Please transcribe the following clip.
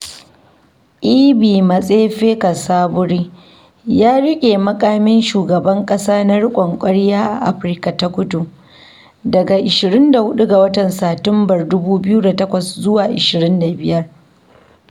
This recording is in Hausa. Ivy Matsepe-Cassaburi ya riƙe muƙamin Shugaban ƙasa na riƙon ƙwarya a Afirka ta Kudu daga 24 ga watan Satumbar 2008 zuwa 25.